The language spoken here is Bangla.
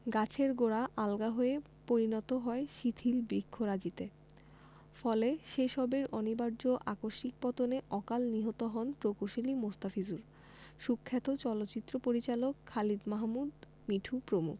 গাছের গোড়া আলগা হয়ে পরিণত হয় শিথিল বৃক্ষরাজিতে ফলে সে সবের অনিবার্য আকস্মিক পতনে অকালে নিহত হন প্রকৌশলী মোস্তাফিজুর সুখ্যাত চলচ্চিত্র পরিচালক খালিদ মাহমুদ মিঠু প্রমুখ